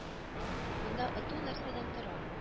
Монда оту нәрсәдән тора